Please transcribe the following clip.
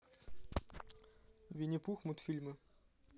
винни пух мультфильмы